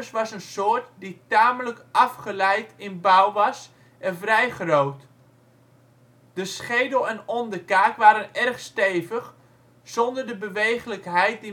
was een soort die tamelijk afgeleid in bouw was en vrij groot. De schedel en onderkaak waren erg stevig, zonder de beweeglijkheid